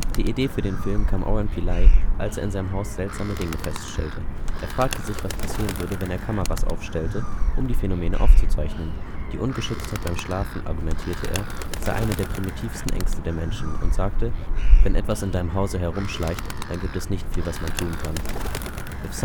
Die Idee für den Film kam Oren Peli, als er in seinem Haus seltsame Dinge feststellte. Er fragte sich, was passieren würde, wenn er Kameras aufstellte, um die Phänomene aufzuzeichnen. Die Ungeschütztheit beim Schlafen, argumentierte er, sei eine der primitivsten Ängste des Menschen, und sagte: „ Wenn etwas in deinem Zuhause herumschleicht, dann gibt es nicht viel, was man tun kann. “(" If